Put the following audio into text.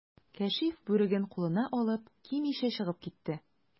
Кәшиф, бүреген кулына алып, кимичә чыгып китте.